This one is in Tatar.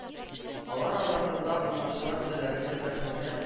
Алар арасында уңышлар теләргә сәхнәгә